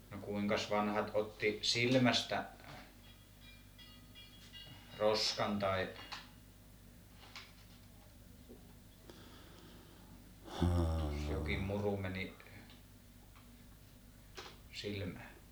no kuinkas vanhat otti silmästä roskan tai jos jokin muru meni silmään